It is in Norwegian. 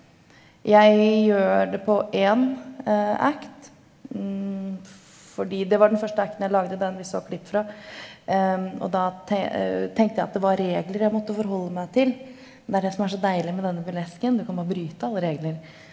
jeg gjør det på én fordi det var den første jeg lagde, den vi så klipp fra og da tenkte jeg at det var regler jeg måtte forholde meg til, men det er det som er så deilig med denne burlesken, du kan bare bryte alle regler.